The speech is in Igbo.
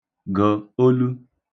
gụ̀ olu